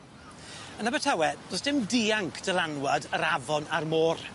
Yn Abertawe do's dim dianc dylanwad yr afon a'r môr.